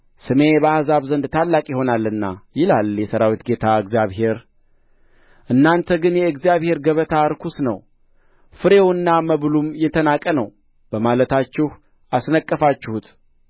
ስሜ በአሕዛብ ዘንድ ታላቅ ይሆናልና ይላል የሠራዊት ጌታ እግዚአብሔር እናንተ ግን የእግዚአብሔር ገበታ ርኩስ ነው ፍሬውና መብሉም የተናቀ ነው በማለታችሁ አስነቀፋችሁት